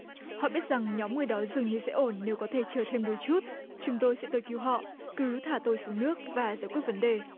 họ biết rằng nhóm người đó dường như sẽ ổn nếu có thể chờ thêm đôi chút chúng tôi sẽ tới cứu họ cứ thả tôi xuống nước và giải quyết vấn đề